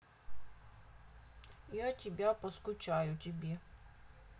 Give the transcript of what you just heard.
я тебя поскучаю тебе